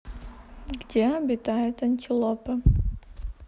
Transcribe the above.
где обитает антилопа